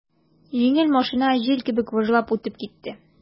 Җиңел машина җил кебек выжлап үтеп китте.